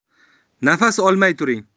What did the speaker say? nafas olmay turing